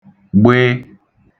gb